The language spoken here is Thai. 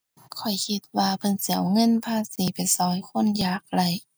ข้อยคิดว่าเพิ่นสิเอาเงินภาษีไปช่วยคนยากไร้